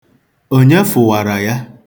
Onye fụwara ya?